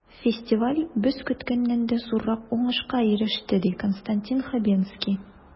Фестиваль без көткәннән дә зуррак уңышка иреште, ди Константин Хабенский.